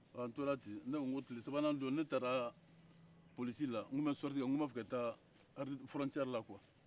an tora ten ne ko ko tile sabanan don ne taara polosi la n ko n bɛ sɔriti kɛ n ko n b'a fɛ ka taa fɔrɔncɛri la kuwa